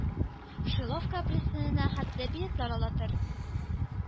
Шиловка пристанена хәтле билетлар ала тор.